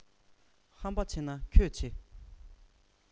ཧམ པ ཆེ ན ཁྱོད ཆེ